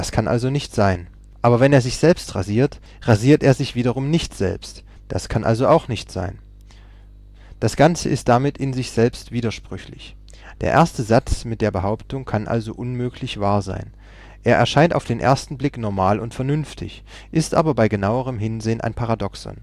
kann also nicht sein). Aber wenn er sich selbst rasiert, rasiert er sich wiederum nicht selbst (das kann also auch nicht sein). Das Ganze ist damit in sich selbst widersprüchlich. Der erste Satz mit der Behauptung kann also unmöglich wahr sein. Er erscheint auf den ersten Blick normal und vernünftig, ist aber bei genauerem Hinsehen ein Paradoxon